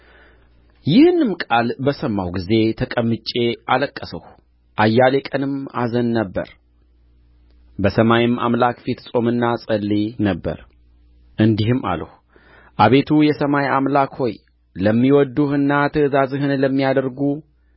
ይህንም ቃል በሰማሁ ጊዜ ተቀምጬ አለቀስሁ አያሌ ቀንም አዝን ነበር በሰማይም አምላክ ፊት እጾምና እጸልይ ነበር እንዲህም አልሁ አቤቱ የሰማይ አምላክ ሆይ ለሚወድዱህና ትእዛዝህን ለሚያደርጉ